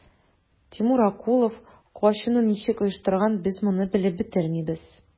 Тимур Акулов качуны ничек оештырган, без моны белеп бетермибез.